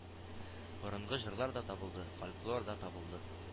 Борыңгы җырлар да табылды, фольклор да табылды